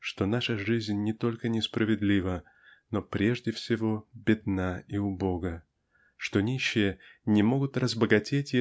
что наша жизнь не только несправедлива но прежде всего бедна и убога что нищие не могут разбогатеть